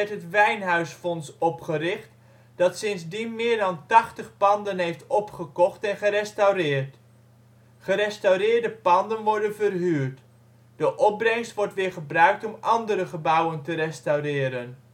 het Wijnhuisfonds opgericht, dat sindsdien meer dan 80 panden heeft opgekocht en gerestaureerd. Gerestaureerde panden worden verhuurd; de opbrengst wordt weer gebruikt om andere gebouwen te restaureren